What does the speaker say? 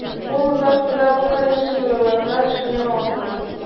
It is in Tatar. Ул озак кына бу хәлнең чынлыгына ышана алмады.